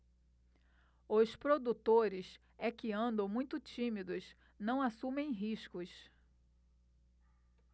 os produtores é que andam muito tímidos não assumem riscos